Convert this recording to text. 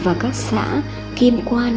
và các xã kim quan